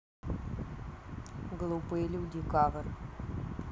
глупые люди кавер